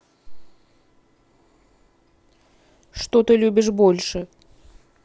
что ты любишь больше